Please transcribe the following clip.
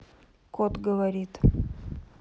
кот говорит